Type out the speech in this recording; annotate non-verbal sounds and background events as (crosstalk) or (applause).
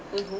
(hesitation) (hesitation)